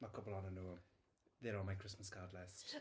Mae cwpl ohonyn nhw they're on my Christmas card list.